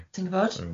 Ti'n gwbod?